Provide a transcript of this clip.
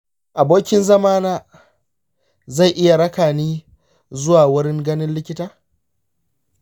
shin abokin zamana zai iya raƙani zuwa wurin ganin likita?